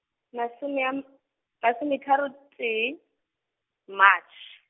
masome a m-, masometharo tee, Matšhe.